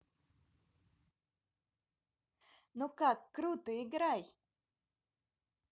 ну как круто играй